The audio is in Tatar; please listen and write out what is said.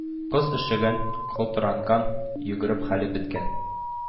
Кыз өшегән, калтыранган, йөгереп хәле беткән